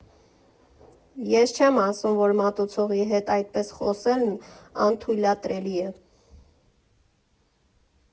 Էլ չեմ ասում, որ մատուցողի հետ այդպես խոսելն անթույլատրելի է.